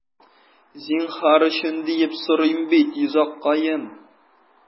Зинһар өчен, диеп сорыйм бит, йозаккаем...